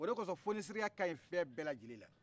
o de kosɔn fonisireya ka ɲi fɛn bɛɛ lajɛlen na